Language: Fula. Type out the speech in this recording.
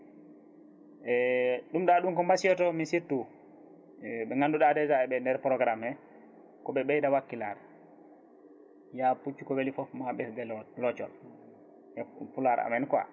e ɗum ɗa ɗum kam ko basiytomi surtout ɓe ganduɗa déjà eɓe e nder programme he koɓe ɓeyda wakkilare ya puccu ko weeli foof mo haɓɓete vélo locol e ko Pulaar amen quoi